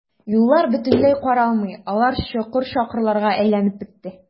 Юллар бөтенләй каралмый, алар чокыр-чакырга әйләнеп бетте.